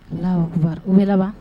La u bɛ laban